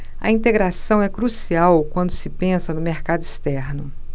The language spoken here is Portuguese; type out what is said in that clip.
a integração é crucial quando se pensa no mercado externo